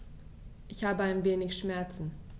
Ich habe ein wenig Schmerzen.